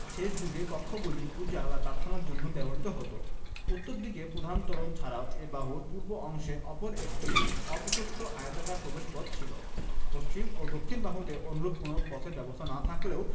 শেষ যুগে কক্ষগুলি পূজা বা প্রার্থনার জন্য ব্যবহূত হতো উত্তরদিকে প্রধান তোরণ ছাড়াও এ বাহুর পূর্ব অংশে অপর একটি অপ্রশস্ত আয়তাকার প্রবেশপথ ছিল পশ্চিম ও দক্ষিণ বাহুতে অনুরূপ কোন পথের ব্যবস্থা না থাকলেও